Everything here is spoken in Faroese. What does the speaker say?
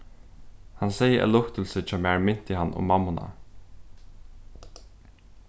hann segði at luktilsið hjá mær minti hann um mammuna